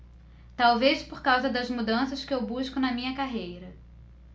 talvez por causa das mudanças que eu busco na minha carreira